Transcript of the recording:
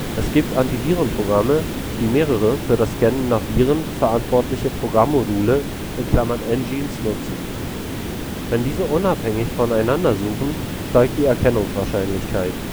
Es gibt Antivirenprogramme, die mehrere für das Scannen nach Viren verantwortliche Programmmodule (engines) nutzen. Wenn diese unabhängig voneinander suchen, steigt die Erkennungswahrscheinlichkeit